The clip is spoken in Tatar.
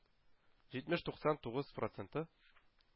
Җитмеш-туксан тугыз проценты